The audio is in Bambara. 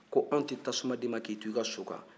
ko anw tɛ tasuma di mɔgɔ ma k'i to so kan